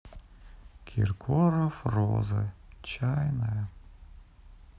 киркоров роза чайная